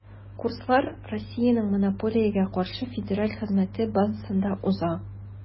Курслар Россиянең Монополиягә каршы федераль хезмәте базасында уза.